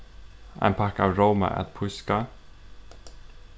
ein pakka av róma at píska